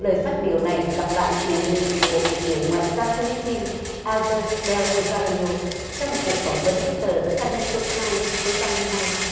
lời phát biểu này lặp lại nhận định của bộ trưởng ngoại giao phi líp pin a bớt đeo ô da hi ô trong một cuộc phỏng vấn với tờ dờ phai nen xồ tham số ra hôm nay